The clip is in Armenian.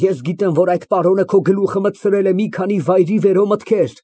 Ես գիտեմ, որ այդ պարոնը քո գլուխը մտցրել է մի քանի վայրիվերո մտքեր։